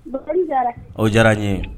o diyar'an ɲe